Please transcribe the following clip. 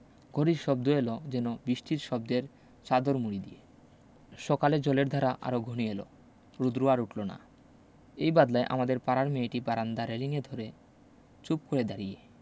ঘড়ির শব্দ এল যেন বিষ্টির শব্দের চাদর মুড়ি দিয়ে সকালে জলের ধারা আরো ঘনিয়ে এল রোদ্র আর উঠল না এই বাদলায় আমাদের পাড়ার মেয়েটি বারান্দায় রেলিঙ্গে ধরে চুপ করে দাঁড়িয়ে